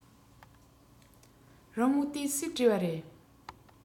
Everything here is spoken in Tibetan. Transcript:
རི མོ དེ སུས བྲིས པ རེད